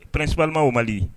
Principalement au Mali